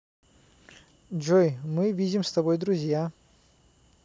джой мы видим с тобой друзья